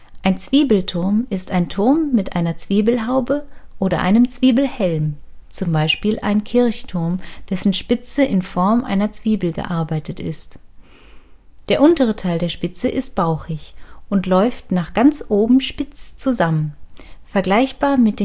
Zwiebelturm ist ein Turm mit einer Zwiebelhaube oder einem Zwiebelhelm, z. B. ein Kirchturm, dessen Spitze in Form einer Zwiebel gearbeitet ist. Der untere Teil der Spitze ist bauchig und läuft nach oben spitz zusammen, vergleichbar mit